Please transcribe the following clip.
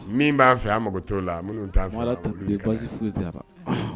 Min b'an fɛ an mago t'o la minnu t'an fɛ olu de kad'an ye ɔnhɔn